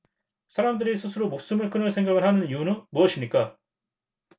사람들이 스스로 목숨을 끊을 생각을 하는 이유는 무엇입니까